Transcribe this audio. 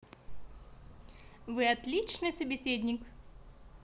вы отличный собеседник